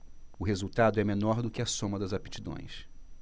o resultado é menor do que a soma das aptidões